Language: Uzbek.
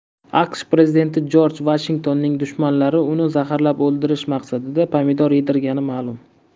aqsh prezidenti jorj vashingtonning dushmanlari uni zaharlab o'ldirish maqsadida pomidor yedirgani ma'lum